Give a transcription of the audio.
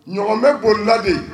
Ɲɔgɔnmɛ boli la de.